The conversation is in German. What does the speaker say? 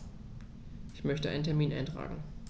Ich möchte einen Termin eintragen.